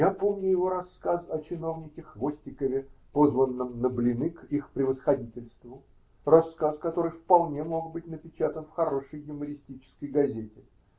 Я помню его рассказ о чиновнике Хвостикове, позванном на блины к их превосходительству, рассказ, который вполне мог быть напечатан в хорошей юмористической газете.